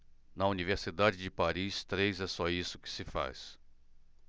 na universidade de paris três é só isso que se faz